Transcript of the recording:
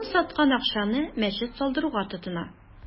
Аны саткан акчаны мәчет салдыруга тотына.